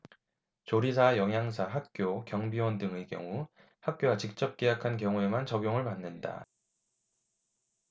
조리사 영양사 학교 경비원 등의 경우 학교와 직접 계약한 경우에만 적용을 받는다